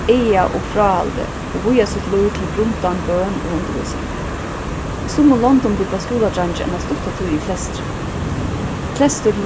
aga og fráhaldi og víga sítt lív til grundan bøn og undirvísing í summum londum búgva skúladreingir eina stutta tíð í kleystri kleystur til